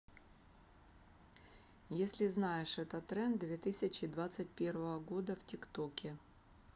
если знаешь этот тренд две тысячи двадцать первого года в тик токе